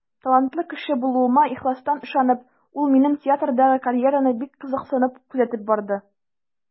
Талантлы кеше булуыма ихластан ышанып, ул минем театрдагы карьераны бик кызыксынып күзәтеп барды.